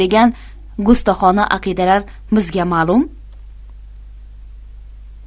degan gustoxona aqidalar bizga ma'lum